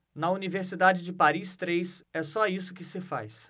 na universidade de paris três é só isso que se faz